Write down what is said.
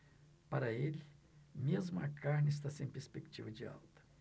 para ele mesmo a carne está sem perspectiva de alta